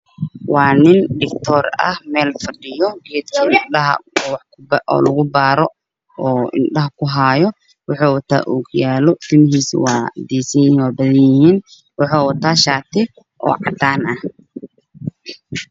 Waa niin digtor ah meel fadhiyo geedka indhaha oo lagu baaro oo indhaha ku haayo wuxuu wataa okiyaalotimihiisu waa deysan yihiin waa badan yihiin woxoo wataa shati oo cadan ah